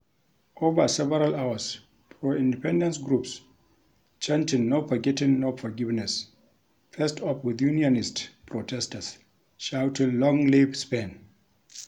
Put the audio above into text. Over several hours pro-independence groups chanting "No forgetting, no forgiveness" faced off with unionist protesters shouting, "Long live Spain."